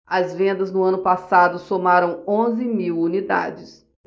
as vendas no ano passado somaram onze mil unidades